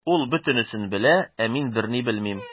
Ул бөтенесен белә, ә мин берни белмим.